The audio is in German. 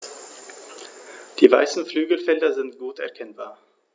Die weißen Flügelfelder sind gut erkennbar.